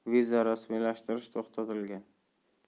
uchun viza rasmiylashtirish to'xtatilgan